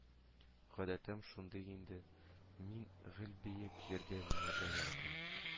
Гадәтем шундый иде, мин гел биек җиргә менәргә яратам